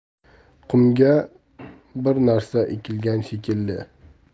qumga bir narsa ekilgan shekilli